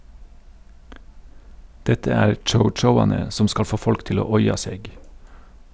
Dette er chow-chowane som skal få folk til å oia seg.